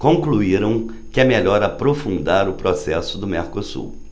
concluíram que é melhor aprofundar o processo do mercosul